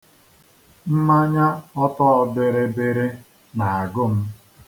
Mmanya ọtọbịrịbịrị na-agụ m.